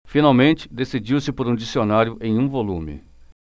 finalmente decidiu-se por um dicionário em um volume